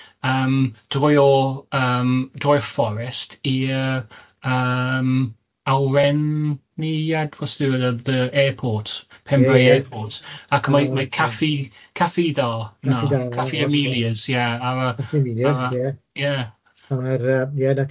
yym drwy o yym drwy'r forest i'r yym awyren-niad wastad yn yr airport Penfrae airport... Ie ie. ...ac mae mae Caffi Caffi Dda na Caffi Amelia's ie ar y... Caffi Amelia's ie ar ie ar y ie na ti ar yr